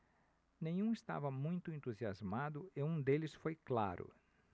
nenhum estava muito entusiasmado e um deles foi claro